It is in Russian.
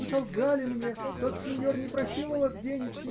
Вы солгали мне: тот синьор не просил у вас денег